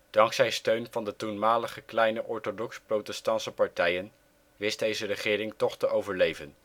Dankzij steun van de toenmalige kleine orthodox-protestantse partijen wist deze regering toch te overleven